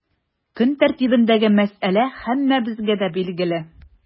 Көн тәртибендәге мәсьәлә һәммәбезгә дә билгеле.